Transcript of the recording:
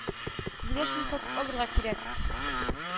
Сезгә шуны сатып алырга кирәк